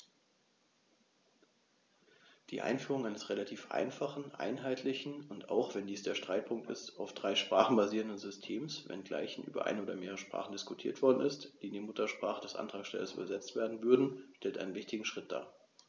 Die Einführung eines relativ einfachen, einheitlichen und - auch wenn dies der Streitpunkt ist - auf drei Sprachen basierenden Systems, wenngleich über eine oder mehrere Sprachen diskutiert worden ist, die in die Muttersprache des Antragstellers übersetzt werden würden, stellt einen wichtigen Schritt dar.